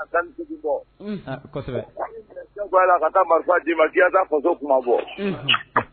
A taa bɔ ko ala ka taa marifa d ma k taa faso kuma bɔ